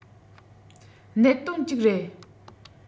གནད དོན ཅིག རེད